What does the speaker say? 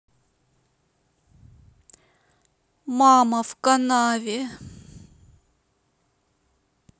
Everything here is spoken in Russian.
мама в канаве